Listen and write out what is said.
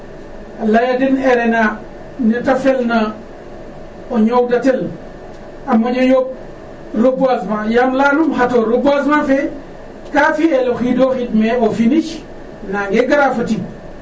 layaa den RNA nee ta felna o ñowdatel a moƴo yooɓ reboisement yaam layanum xatoor reboisement :far fe ka fi'el o xiid o xiid mais au finish nangee gara fo tig .